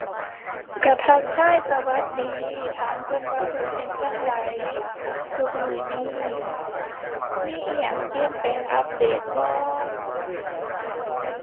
ก็ทักทาย สวัสดี ถามเพิ่นว่าเพิ่นเป็นจั่งใดซุมื้อนี้ มีอิหยังเปลี่ยนแปลงอัปเดตบ่